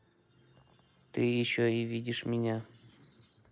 ты еще и видишь меня